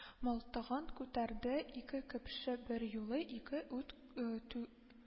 Мылтыгын күтәрде, ике көпшә берьюлы ике ут